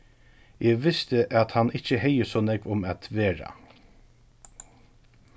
eg visti at hann ikki hevði so nógv um at vera